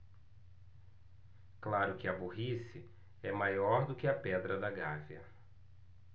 claro que a burrice é maior do que a pedra da gávea